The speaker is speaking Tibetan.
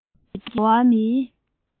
བོད ཀྱི འགྲོ བ མིའི